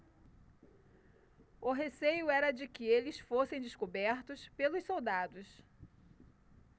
o receio era de que eles fossem descobertos pelos soldados